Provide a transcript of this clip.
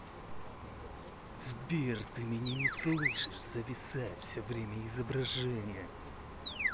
сбер ты меня не слышишь зависает все время изображения